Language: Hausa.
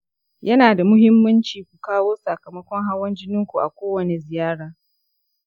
yana da muhimmanci ku kawo sakamakon hawan jinin ku a kowane ziyara.